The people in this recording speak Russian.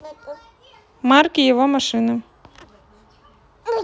марки его машины